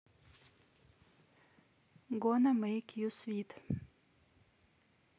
гона мейк ю свит